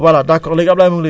ah waaw waaw